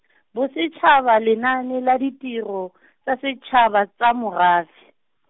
Bosetšhaba Lenaane la Ditiro , tsa Setšhaba tsa Morafe.